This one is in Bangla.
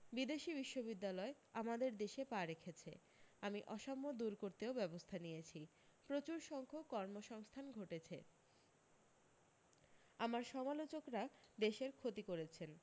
বিদেশি বিশ্ববিদ্যালয় আমাদের দেশে পা রেখেছে আমি অসাম্য দূর করতেও ব্যবস্থা নিয়েছি প্রচুর সংখ্যক কর্মসংস্থান ঘটেছে আমার সমালোচকরা দেশের ক্ষতি করছেন